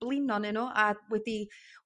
blino 'nyn nw ag wedi